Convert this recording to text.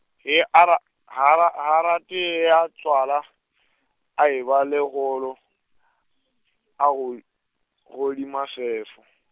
ge a re, hara-, ga a rate ge a tswala , a e ba le kgolo , a god- godi mafefo.